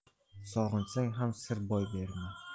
sog'insang ham sir boy berma